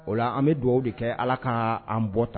O la an bɛ dugawu de kɛ Ala ka an bɛɛ ta